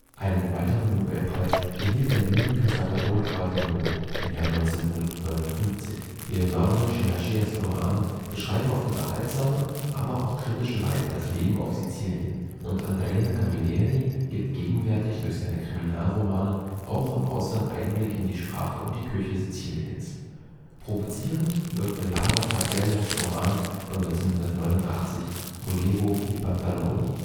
Einen weiteren Nobelpreis erhielt der Lyriker Salvatore Quasimodo im Jahr 1959. Leonardo Sciascias Romane beschreiben auf unterhaltsame, aber auch kritische Weise das Leben auf Sizilien und Andrea Camilleri gibt gegenwärtig durch seine Kriminalromane auch im Ausland Einblick in die Sprache und in die Küche Siziliens. Provozierend wirkte Lara Cardellas Roman von 1989 Volevo i pantaloni